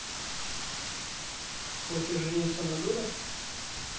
хочет жениться на дуре